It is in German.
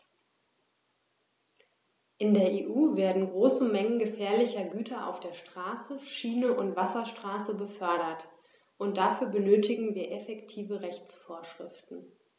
In der EU werden große Mengen gefährlicher Güter auf der Straße, Schiene und Wasserstraße befördert, und dafür benötigen wir effektive Rechtsvorschriften.